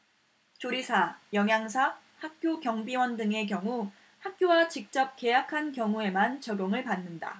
조리사 영양사 학교 경비원 등의 경우 학교와 직접 계약한 경우에만 적용을 받는다